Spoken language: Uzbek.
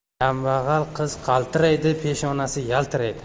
kambag'al qiz qaltiraydi peshonasi yaltiraydi